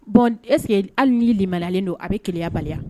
Bon est ce que hali ni limalenyalen don a bɛ keleya bali ya?